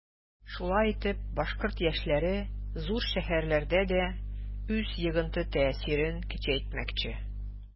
Шулай итеп башкорт яшьләре зур шәһәрләрдә дә үз йогынты-тәэсирен көчәйтмәкче.